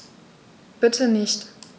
Bitte nicht.